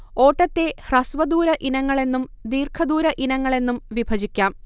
ഓട്ടത്തെ ഹ്രസ്വ ദൂര ഇനങ്ങളെന്നും ദീർഘദൂര ഇനങ്ങളെന്നും വിഭജിക്കാം